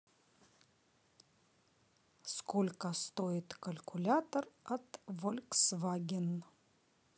сколько стоит катализатор от volkswagen